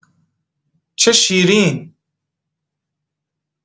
چه شیرین